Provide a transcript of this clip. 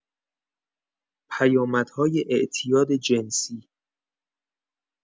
پیامدهای اعتیاد جنسی